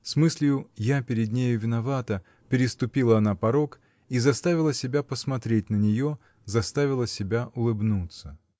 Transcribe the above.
с мыслью "Я перед нею виновата" -- переступила она порог и заставила себя посмотреть на нее, заставила себя улыбнуться.